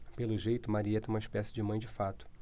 pelo jeito marieta é uma espécie de mãe de fato